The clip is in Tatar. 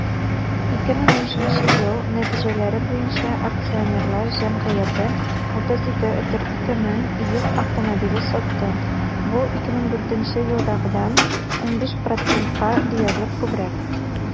2005 ел нәтиҗәләре буенча акционерлар җәмгыяте 32,2 мең йөк автомобиле сатты, бу 2004 елдагыдан 15 %-ка диярлек күбрәк.